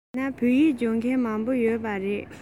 བྱས ན བོད ཡིག སྦྱོང མཁན མང པོ ཡོད པ རེད